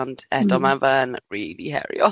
ond eto ma' fe'n rili heriol.